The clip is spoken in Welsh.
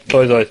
Oedd oedd.